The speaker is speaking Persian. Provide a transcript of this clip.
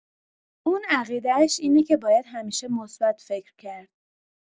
اون عقیده‌اش اینه که باید همیشه مثبت فکر کرد.